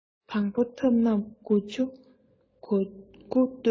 དང པོ ཐབས རྣམས དགུ བཅུ གོ དགུ གཏོད